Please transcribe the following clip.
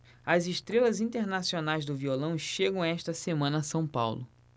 as estrelas internacionais do violão chegam esta semana a são paulo